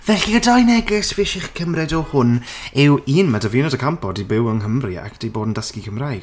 Felly, y dau neges fi isie chi cymryd o hwn yw, un ma' Davina De Campo 'di byw yng Nghymru ac 'di bod yn dysgu Cymraeg.